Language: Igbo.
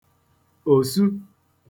òsu